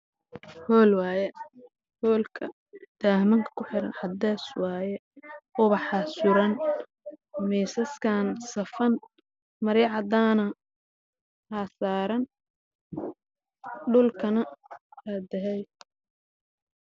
Meeshaan waxaa yaalo mimbar aad uqurxan oo midabkiisii yahay dambbas